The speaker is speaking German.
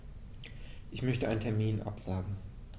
Ich möchte einen Termin absagen.